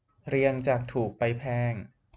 เรียงจากถูกไปแพง